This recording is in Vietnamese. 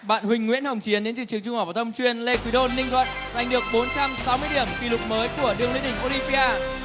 bạn huỳnh nguyễn hồng chiến đến từ trường trung học phổ thông chuyên lê quý đôn ninh thuận giành được bốn trăm sáu mươi điểm kỷ lục mới của đường lên đỉnh ô lim pi a